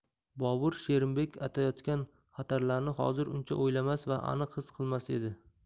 bobur sherimbek aytayotgan xatarlarni hozir uncha o'ylamas va aniq his qilmas edi